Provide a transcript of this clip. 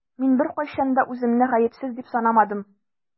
Мин беркайчан да үземне гаепсез дип санамадым.